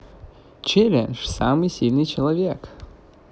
челлендж самый сильный человек